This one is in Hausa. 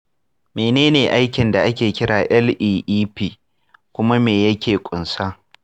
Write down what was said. menene aikin da ake kira leep, kuma me yake ƙunsa?